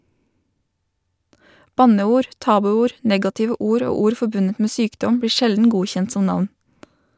Banneord, tabuord, negative ord og ord forbundet med sykdom blir sjelden godkjent som navn.